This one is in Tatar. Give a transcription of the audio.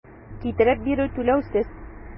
Китереп бирү - түләүсез.